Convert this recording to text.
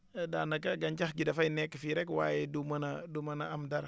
daanaka gàncax gi dafay nekk fii rek waaye du mën a du mën a am dara